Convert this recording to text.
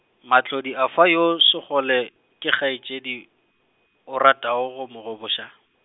Mahlodi afa yo Sekgole, ke kgaetšedi, o ratago go mo goboša.